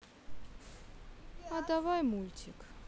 а давай мультик